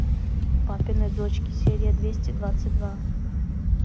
папины дочки серия двести двадцать два